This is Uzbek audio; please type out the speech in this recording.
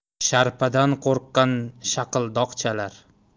sharpadan qo'rqqan shaqildoq chalar